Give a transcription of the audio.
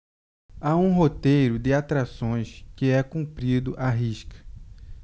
há um roteiro de atrações que é cumprido à risca